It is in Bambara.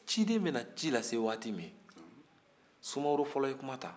ciden bɛna ci lase wagati min sumaworo fɔlɔ ye kuma ta